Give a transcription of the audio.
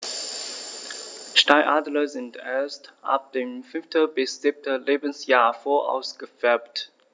Steinadler sind erst ab dem 5. bis 7. Lebensjahr voll ausgefärbt.